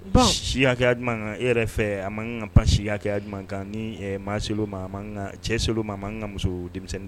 Pa si yya hakɛya kan e yɛrɛ fɛ a ma kan ka pa siya hakɛya ɲuman kan ni maaso cɛso ma ma an n ka muso denmisɛnnin